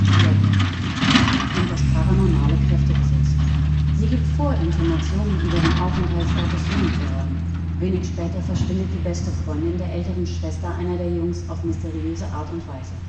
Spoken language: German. Eleven “) und das paranormale Kräfte besitzt. Sie gibt vor, Informationen über den Aufenthaltsort des Jungen zu haben. Wenig später verschwindet die beste Freundin der älteren Schwester einer der Jungs auf mysteriöse Art und Weise